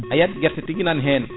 a yiyat guerte tigui nani hen